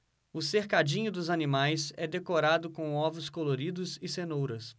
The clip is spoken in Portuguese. o cercadinho dos animais é decorado com ovos coloridos e cenouras